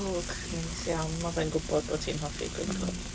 O, c- neis iawn. Ma' fe'n gwybod bod ti'n hoffi gwin coch... mm.